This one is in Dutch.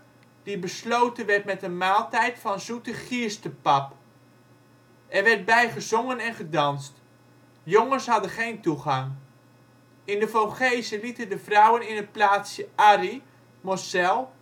die besloten werd met een maaltijd van zoete gierstepap. Er werd bij gezongen en gedanst. Jongens hadden geen toegang. In de Vogezen lieten de vrouwen in de plaatsjes Arry (Moselle